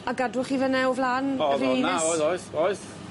A gadwoch chi fyn 'na o flan oedd oedd oedd.